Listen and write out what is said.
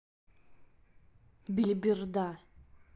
белиберда